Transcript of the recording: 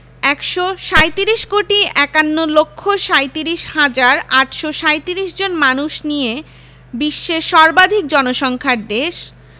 ১৩৭ কোটি ৫১ লক্ষ ৩৭ হাজার ৮৩৭ জন মানুষ নিয়ে বিশ্বের সর্বাধিক জনসংখ্যার দেশ